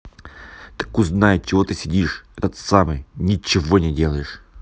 так узнай чего ты сидишь этот самый ничего не делаешь